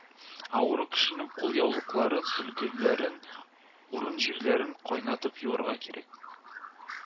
Авыру кешенең кулъяулыкларын, сөлгеләрен, урын җирләрен кайнатып юырга кирәк